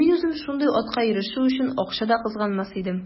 Мин үзем шундый атка ирешү өчен акча да кызганмас идем.